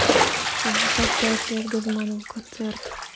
шестьдесят пять лет газманову концерт